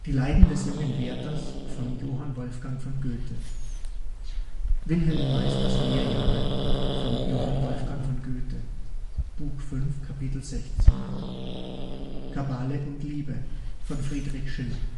Leiden des jungen Werthers von Johann Wolfgang von Goethe Wilhelm Meisters Lehrjahre von Johann Wolfgang von Goethe (Buch V, Kapitel 16) Kabale und Liebe von Friedrich Schiller